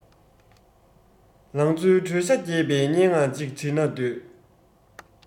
ལང ཚོའི དྲོད ཤ རྒྱས པའི སྙན ངག ཅིག འབྲི ན འདོད